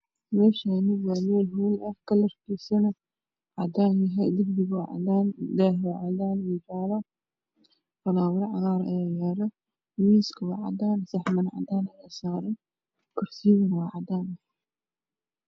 Meeshaani waa hool kalarkiisu yayah baluug derbiga waa cadaan daaha waa cadaan iyo jaalo flower cagaar ah ayaa yaalo miiska waa cadaan saxaman cadaan ayaa Saaran kursiyadana waa cadaan